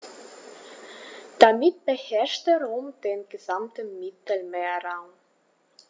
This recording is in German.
Damit beherrschte Rom den gesamten Mittelmeerraum.